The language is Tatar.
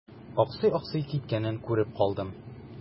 Аксый-аксый киткәнен күреп калдым.